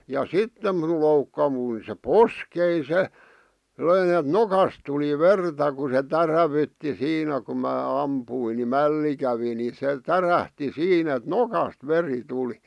ja sitten minun loukkaantui se poskeni se löin että nokasta tuli verta kun se täräytti siinä kun minä ammuin niin mälli kävi niin se tärähti siinä että nokasta veri tuli